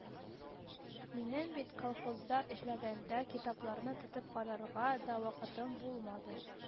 Минем бит колхозда эшләгәндә китапларны тотып карарга да вакытым булмады,